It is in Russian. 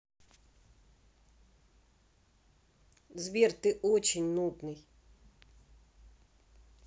сбер ты очень нудный